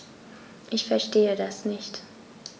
Ich verstehe das nicht.